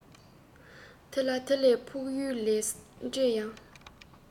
དེ ལ དེ ལས ཕུགས ཡུལ ལས འབྲས ཡང